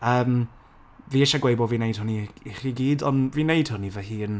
Yym, fi isie gweud bo' fi'n wneud hwn i i chi gyd, ond fi'n wneud hwn i fy hun.